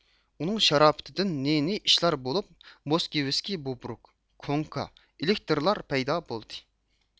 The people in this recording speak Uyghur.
ئۇنىڭ شاراپىتىدىن نى نى ئىشلار بولۇپ موسكىۋىسكى بوبرۇك كوڭكا ئېلېكتىرلار پەيدا بولدى